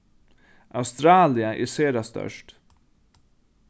australia er sera stórt